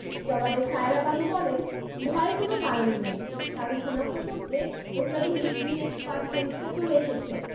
জবাবে সায়েরা বানু বলেন ভয়ের কোনো কারণ নেই কারণ শনাক্ত করতে অত্যাধুনিক জিন এক্সপার্ট পরীক্ষা চলে এসেছে